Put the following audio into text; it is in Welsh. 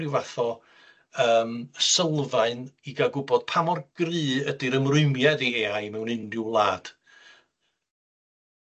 ryw fath o yym sylfaen i ga'l gwbod pa mor gry ydi'r ymrwymiad i Ay I mewn unryw wlad.